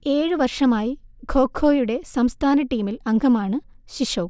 ഏഴു വർഷമായി ഖോഖൊയുടെ സംസ്ഥാന ടീമിൽ അംഗമാണു ശിശോക്